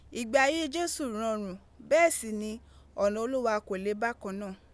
Igbe aye Jesu rorun bee si ni ona Oluwa ko le bakan naa.